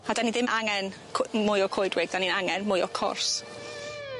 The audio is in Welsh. A 'dan ni ddim angen cw- mwy o coedwig. 'Dan ni'n angen mwy o cors.